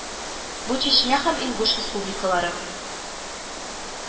Бу Чечня һәм Ингуш республикалары